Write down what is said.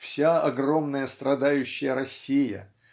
вся огромная страдающая Россия